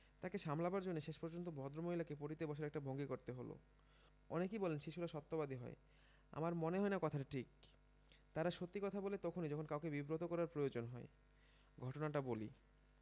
তাকে সামলাবার জন্যে শেষ পর্যন্ত ভদ্রমহিলাকে পটি তে বসার একটা ভঙ্গি করতে হল অনেকেই বলেন শিশুরা সত্যবাদী হয় আমার মনে হয় না কথাটা ঠিক তারা সত্যি কথা বলে তখনি যখন কাউকে বিব্রত করার প্রইয়োজন হয় ঘটনাটা বলি